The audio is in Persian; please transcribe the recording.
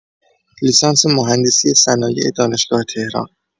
لیسانس مهندسی صنایع دانشگاه تهران